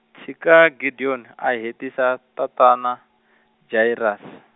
tshika Gideon a hetisa tatana, Jairus.